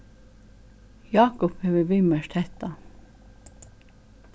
jákup hevur viðmerkt hetta